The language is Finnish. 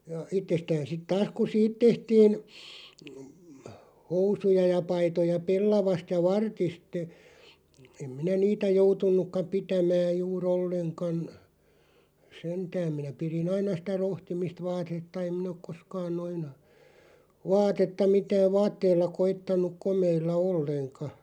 ja itsestään sitten taas kun siitä tehtiin housuja ja paitoja pellavasta ja vartista - en minä niitä joutunutkaan pitämään juuri ollenkaan sentään minä pidin aina sitä rohtimista vaatetta en minä ole koskaan noin vaatetta mitään vaatteilla koettanut komeilla ollenkaan